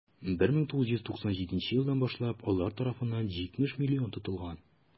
1997 елдан башлап алар тарафыннан 70 млн тотылган.